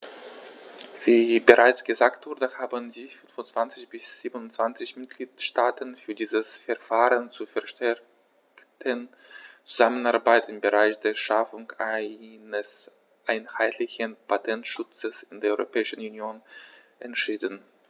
Wie bereits gesagt wurde, haben sich 25 der 27 Mitgliedstaaten für dieses Verfahren zur verstärkten Zusammenarbeit im Bereich der Schaffung eines einheitlichen Patentschutzes in der Europäischen Union entschieden.